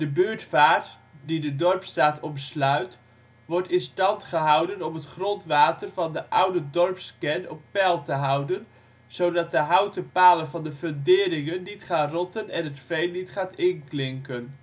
Buurtvaart die de Dorpsstraat omsluit wordt in stand gehouden om het grondwater van de oude dorpskern op op peil te houden zodat de houten palen van de funderingen niet gaan rotten en het veen niet gaat inklinken